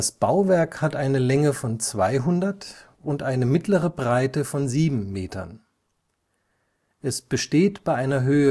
Bauwerk hat eine Länge von 200 und eine mittlere Breite von 7 Metern. Es besteht bei einer Höhe